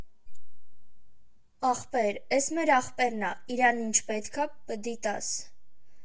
Ախպեր, էս մեր ախպերն ա, իրան ինչ պետք ա, պդի տաս։